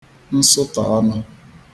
nsụtọ̀ ọnụ